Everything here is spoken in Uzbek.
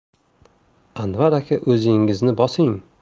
anvar aka o'zingizni bosing